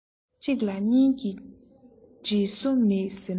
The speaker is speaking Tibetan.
གཅིག ལ གཉིས ཀྱི འབྲེལ སོ མེད ཟེར ན